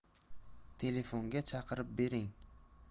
telefonga chaqirib bering